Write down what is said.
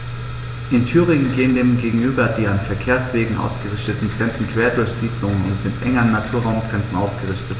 In Thüringen gehen dem gegenüber die an Verkehrswegen ausgerichteten Grenzen quer durch Siedlungen und sind eng an Naturraumgrenzen ausgerichtet.